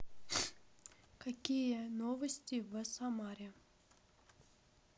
какие новости в самаре